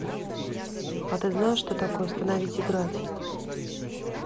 а ты знаешь что такое остановить играть